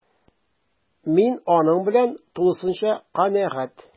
Мин аның белән тулысынча канәгать: